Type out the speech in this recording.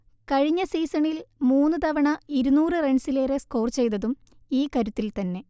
കഴിഞ്ഞ സീസണിൽ മൂന്നുതവണ ഇരുനൂറ് റൺസിലേറെ സ്കോർ ചെയ്തതും ഈ കരുത്തിൽത്തന്നെ